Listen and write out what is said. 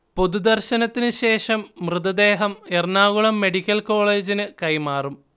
പൊതുദർശനത്തിനു ശേഷം മൃതദേഹം എറണാകുളം മെഡിക്കൽ കോളേജിന് കൈമാറും